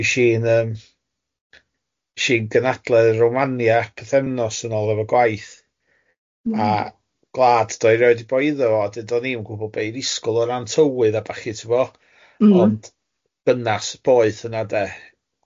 Fysh i'n yym fy's i'n ganadledd Romania pythefnos yn ôl efo gwaith a gwlad do i roid i bod iddo fo a duon ni'm yn gwbod be' i'r ysgol o ran tywydd a ballu tibod... M-hm. ...ond bynnas y boeth yna de.